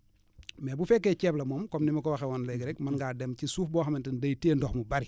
mais bu fekkee ceeb la moom comme ni ma ko waxee woon léegi rek mën ngaa dem ci suuf boo xamante ni day téye ndox mu bari